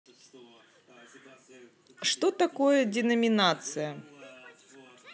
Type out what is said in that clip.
что такое деноминация